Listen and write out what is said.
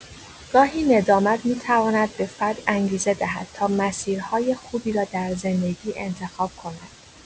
گاهی ندامت می‌تواند به فرد انگیزه دهد تا مسیرهای خوبی را در زندگی انتخاب کند.